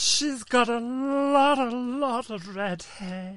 She's got a lot a lot of red hair.